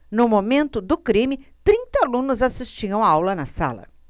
no momento do crime trinta alunos assistiam aula na sala